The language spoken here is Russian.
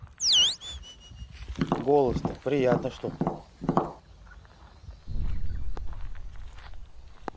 голос то приятно что